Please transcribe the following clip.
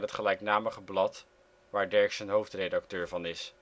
gelijknamige blad waar Derksen hoofdredacteur van is